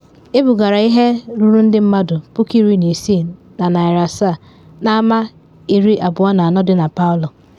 Ebugara ihe ruru ndị mmadụ 16,700 n’ama 24 dị na Palu.